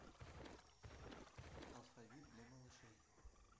алфавит для малышей